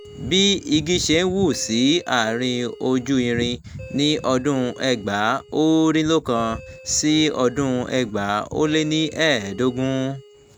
Bí igí ṣe ń wù sí àárín ojú irin ní 1999 sí 2015...